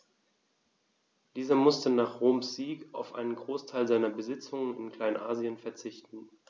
Dieser musste nach Roms Sieg auf einen Großteil seiner Besitzungen in Kleinasien verzichten.